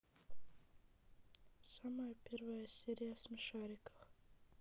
самая первая серия в смешариках